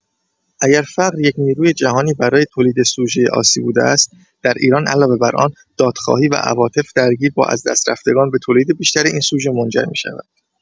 اگر «فقر» یک نیروی جهانی برای تولید سوژۀ عاصی بوده است، در ایران علاوه بر آن، دادخواهی و عواطف درگیر با ازدست‌رفتگان به تولید بیشتر این سوژه منجر می‌شود.